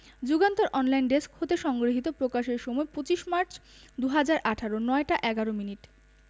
Jugantor online desk হতে সংগৃহীত প্রকাশের সময় ২৫ মার্চ ২০১৮ ০৯ টা ১১ মিনিট